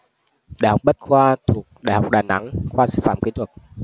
đại học bách khoa thuộc đại học đà nẵng khoa sư phạm kỹ thuật